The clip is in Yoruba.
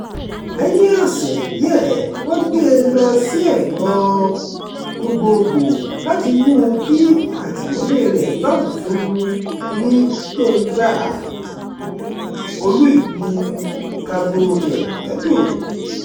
Lẹ́yìn ọ̀sẹ̀ díẹ̀, wọ́n gbé e lọ sí ẹ̀wọ̀n gbogboògbò láti mú kí àtìmọ́lé rẹ̀ bá òfin mu ní Pemba, olú ìlú Cabo Delgado.